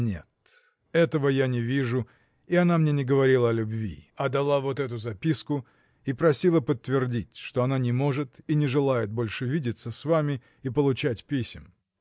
— Нет, этого я не вижу, и она мне не говорила о любви, а дала вот эту записку и просила подтвердить, что она не может и не желает более видеться с вами и получать писем.